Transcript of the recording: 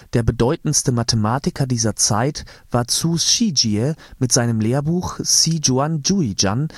Der bedeutendste Mathematiker dieser Zeit war Zhu Shijie mit seinem Lehrbuch Siyuan Yujian